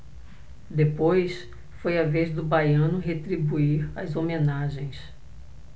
depois foi a vez do baiano retribuir as homenagens